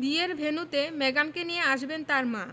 বিয়ের ভেন্যুতে মেগানকে নিয়ে আসবেন তাঁর মা